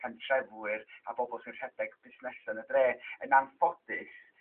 pentrefwyr a bobol sy'n rhedeg busnesa' yn y dre. Yn anffodus